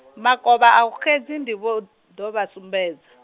Makovha ahu xedzi ndi vho, ḓo vha sumbedza .